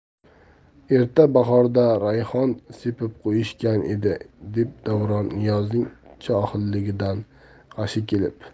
erta bahorda rayhon sepib qo'yishgan edi dedi davron niyozning johilligidan g'ashi kelib